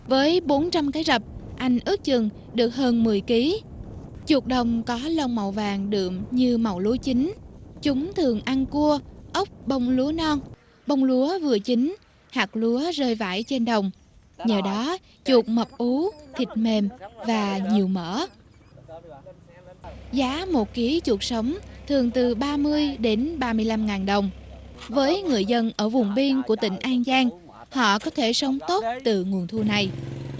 với bốn trăm cái rập anh ước chừng được hơn mười ký chuột đồng có lông màu vàng đượm như màu lúa chín chúng thường ăn cua ốc bông lúa non bông lúa vừa chín hạt lúa rơi vãi trên đồng nhờ đó chuột mập ú thịt mềm và nhiều mỡ giá một ký chuột sống thường từ ba mươi đến ba mươi lăm ngàn đồng với người dân ở vùng biên của tỉnh an giang họ có thể sống tốt từ nguồn thu này